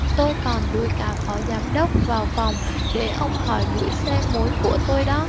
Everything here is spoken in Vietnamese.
tôi còn đuổi cả phó giám đốc vào phòng để ổng khỏi đuổi xe mối của tôi đó